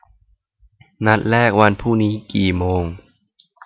นัดแรกวันพรุ่งนี้กี่โมง